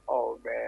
Ɔ o bɛ yan